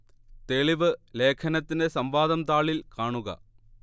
തെളിവ് ലേഖനത്തിന്റെ സംവാദം താളിൽ കാണുക